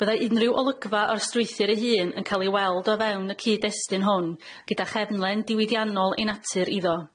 Byddai unrhyw olygfa o'r strwythur'i hun yn ca'l ei weld o fewn y cyd-destyn hwn gyda chefnlen diwydiannol ei natur iddo.